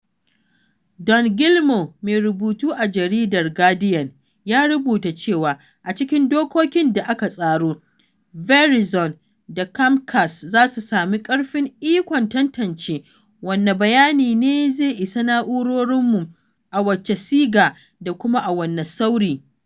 Dan Gillmor, mai rubutu a jaridar Guardian, ya rubuta cewa a cikin dokokin da aka tsaro, “Verizon da Comcast za su sami ƙarfin ikon tantance wane bayani ne zai isa na’urorinmu, a wace siga da kuma a wane sauri.”